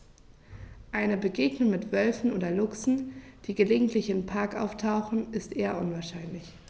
Eine Begegnung mit Wölfen oder Luchsen, die gelegentlich im Park auftauchen, ist eher unwahrscheinlich.